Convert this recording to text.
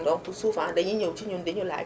donc souvent dañuy ñëw si ñun diñu laaj